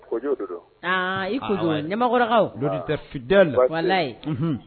I ɲakaw tɛda la